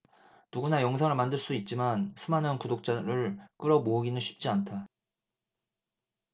누구나 영상을 만들 수 있지만 수많은 구독자를 끌어 모으기는 쉽지 않다